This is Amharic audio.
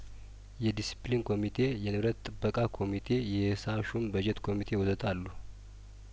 የዲሲፕሊን ኮሚቴ የንብረት ጥበቃ ኮሚቴ የሂሳብ ሹም በጀት ኮሚቴ ወዘተ አሉ